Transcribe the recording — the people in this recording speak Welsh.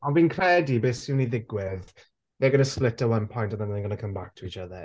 Ond fi'n credu beth sy'n mynd i ddigwydd they're gonna split at one point and then they're going to come back to each other.